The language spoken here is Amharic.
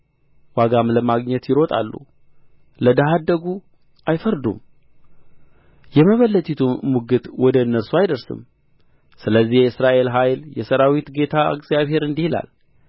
ዋጋም ለማግኘት ይሮጣሉ ለድሀ አደጉ አይፈርዱም የመበለቲቱም ሙግት ወደ እነርሱ አይደርስም ስለዚህ የእስራኤል ኃያል የሠራዊት ጌታ እግዚአብሔር እንዲህ ይላል